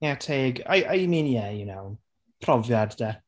Ie teg. I I mean, yeah you know. Profiad de.